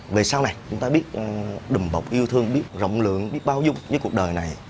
về sau này chúng ta biết ờ đùm bọc yêu thương biết rộng lượng biết bao dung giới cuộc đời này